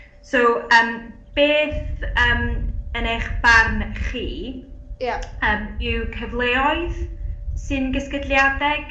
So yym beth yym yn eich barn chi yym yw cyfleoedd sy'n gysgydliadeg a yym